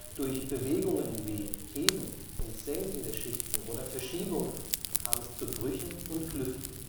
Durch Bewegungen wie Heben und Senken der Schichten oder Verschiebungen kam es zu Brüchen und Klüften